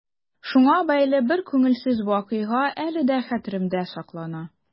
Шуңа бәйле бер күңелсез вакыйга әле дә хәтеремдә саклана.